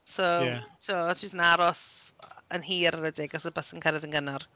So... ie. ...tibod, ti jyst yn aros yn hir ar adegau os oedd y bus yn cyrraedd yn gynnar.